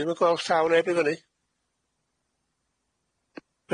Dwi'm yn gwel' llaw beb i fyny.